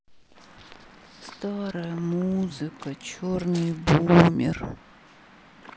старая музыка черный бумер